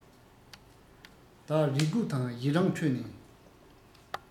བདག རེ སྒུག དང ཡི རངས ཁྲོད ནས